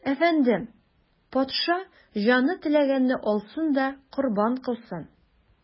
Әфәндем, патша, җаны теләгәнне алсын да корбан кылсын.